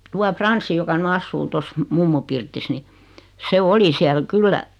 tuo Frans joka nyt asuu tuossa mummon pirtissä niin se oli siellä kyllä